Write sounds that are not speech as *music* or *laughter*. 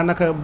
*hesitation* *hesitation*